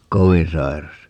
kovin sairas